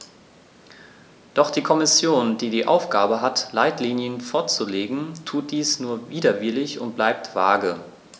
Doch die Kommission, die die Aufgabe hat, Leitlinien vorzulegen, tut dies nur widerwillig und bleibt vage.